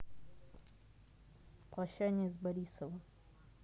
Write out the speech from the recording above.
прощание с борисовым